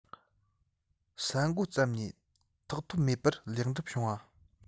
ས འགོ བརྩམས ནས ཐགས ཐོགས མེད པར ལེགས འགྲུབ བྱུང བ